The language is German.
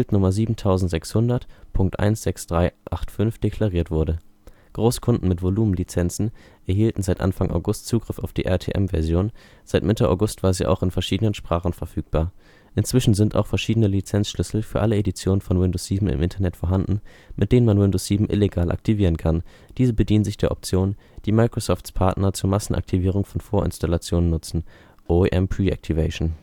Build-Nummer 7600.16385 deklariert wurde. Großkunden mit Volumenlizenzen erhielten seit Anfang August Zugriff auf die RTM-Version, seit Mitte August war sie auch in verschiedenen Sprachen verfügbar. Inzwischen sind auch verschiedene Lizenzschlüssel für alle Editionen von Windows 7 im Internet vorhanden, mit denen man Windows 7 illegal aktivieren kann; diese bedienen sich der Option, die Microsofts Partner zur Massenaktivierung von Vorinstallationen nutzen (OEM-Preactivation